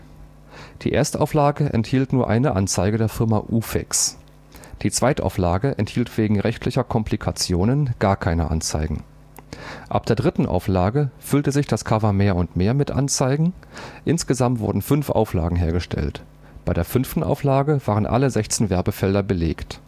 Die Erstauflage enthielt nur eine Anzeige der Firma Uvex. Die Zweitauflage enthielt wegen rechtlicher Komplikationen gar keine Anzeigen. Ab der dritten Auflage füllte sich das Cover mehr und mehr mit Anzeigen. Insgesamt wurden fünf Auflagen hergestellt. Bei der fünften Auflage waren alle 16 Werbefelder belegt